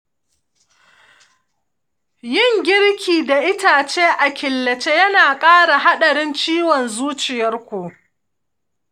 yin girki da itace a killace ya na ƙara haɗarin ciwon zuciyarku